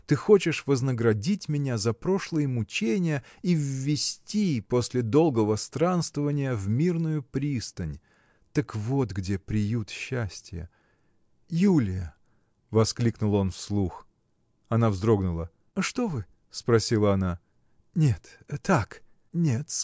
Ты хочешь вознаградить меня за прошлые мучения и ввести после долгого странствования в мирную пристань. Так вот где приют счастья. Юлия! – воскликнул он вслух. Она вздрогнула. – Что вы? – спросила она. – Нет! так. – Нет!